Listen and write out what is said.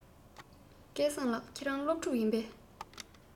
སྐལ བཟང ལགས ཁྱེད རང སློབ ཕྲུག ཡིན པས